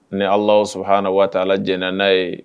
Ni ala sɔrɔ h na waati ala j n'a ye